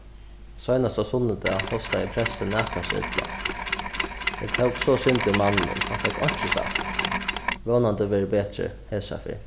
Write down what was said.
seinasta sunnudag hostaði prestur nakað so illa eg tók so synd í manninum hann fekk einki sagt vónandi verður betri hesa ferð